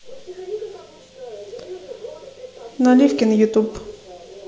наливкин ютуб